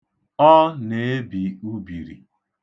Ọ na-ebi ubiri.